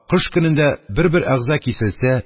Кыш көнендә бер-бер әгъза киселсә